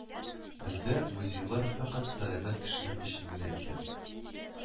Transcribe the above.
Бездә музейлар фәкать сәламәт кешеләр өчен генә икән